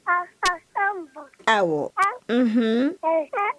awɔ, unhun.